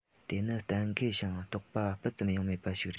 དེ ནི གཏན འཁེལ ཞིང དོགས པ སྤུ ཙམ ཡང མེད པ ཞིག རེད